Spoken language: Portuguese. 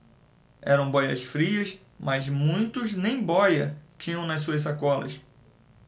eram bóias-frias mas muitos nem bóia tinham nas suas sacolas